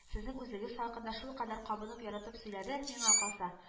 Сезнең үзегез сакында шулкадәрле кабынып, яратып сөйләде, миңа калса